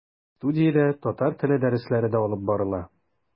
Студиядә татар теле дәресләре дә алып барыла.